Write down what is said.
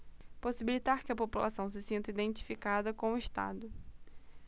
possibilitar que a população se sinta identificada com o estado